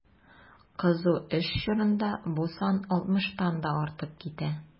Кызу эш чорында бу сан 60 тан да артып китә.